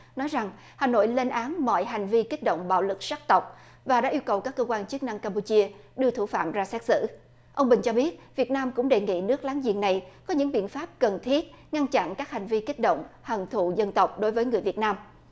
nói rằng hà nội lên án mọi hành vi kích động bạo lực sắc tộc và đã yêu cầu các cơ quan chức năng cam pu chia đưa thủ phạm ra xét xử ông bình cho biết việt nam cũng đề nghị nước láng giềng này có những biện pháp cần thiết ngăn chặn các hành vi kích động hận thù dân tộc đối với người việt nam